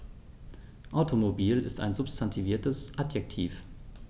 Automobil ist ein substantiviertes Adjektiv.